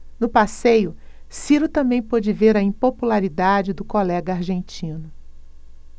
no passeio ciro também pôde ver a impopularidade do colega argentino